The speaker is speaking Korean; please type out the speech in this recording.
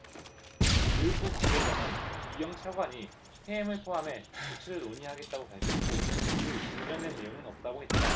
교육부 관계자는 이영 차관이 해임을 포함해 조치를 논의하겠다고 밝혔고 그 후 진전된 내용은 없다고 했다